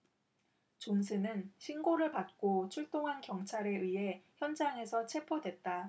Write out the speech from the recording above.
존슨은 신고를 받고 출동한 경찰에 의해 현장에서 체포됐다